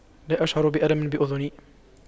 لا أشعر بألم بأذني